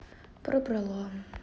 пробрало